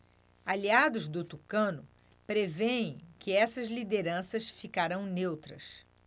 aliados do tucano prevêem que essas lideranças ficarão neutras